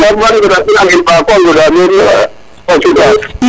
ba ngoda ten a ngen Mbako a ŋoda xa cuɗa xe